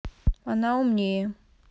она умнее